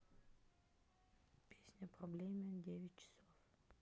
песня проблема десять часов